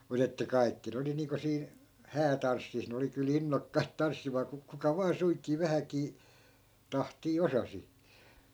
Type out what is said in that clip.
mutta että kaikki ne oli niin kuin siinä häätanssissa ne oli kyllä innokkaita tanssimaan - kuka vain suinkin vähänkin tahtia osasi